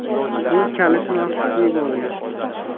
u kalish mahsi kiyib olgan